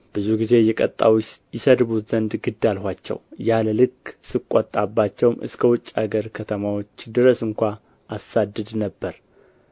ብዙ ጊዜ እየቀጣሁ ይሰድቡት ዘንድ ግድ አልኋቸው ያለ ልክ ስቈጣባቸውም እስከ ውጭ አገር ከተማዎች ድረስ እንኳ አሳድድ ነበር